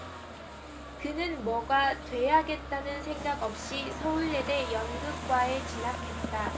그는 뭐가 돼야겠다는 생각 없이 서울예대 연극과에 진학했다